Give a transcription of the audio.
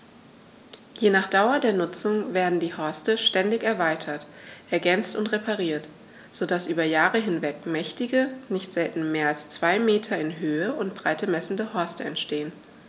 Je nach Dauer der Nutzung werden die Horste ständig erweitert, ergänzt und repariert, so dass über Jahre hinweg mächtige, nicht selten mehr als zwei Meter in Höhe und Breite messende Horste entstehen.